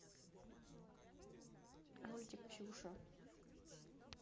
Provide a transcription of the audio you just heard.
мультик ксюша